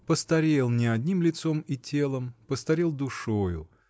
-- постарел не одним лицом и телом, постарел душою